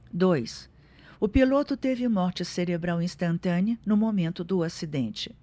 dois o piloto teve morte cerebral instantânea no momento do acidente